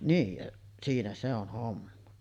niin ja siinä se on homma